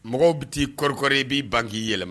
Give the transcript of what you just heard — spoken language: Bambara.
Mɔgɔw bɛ taa koɔrikɔri i b' ban k'i yɛlɛma